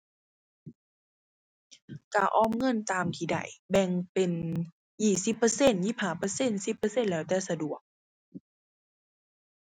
ก็ออมเงินตามที่ได้ แบ่งเป็นยี่สิบเปอร์เซ็นต์ ยี่สิบห้าเปอร์เซ็นต์ สิบเปอร์เซ็นต์ แล้วแต่สะดวก